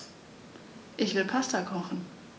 Ich will Pasta kochen.